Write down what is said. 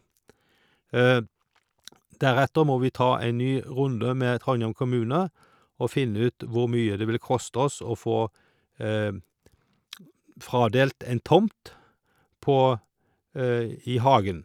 Deretter må vi ta ei ny runde med Trondhjem kommune, og finne ut hvor mye det vil koste oss å få fradelt en tomt på i hagen.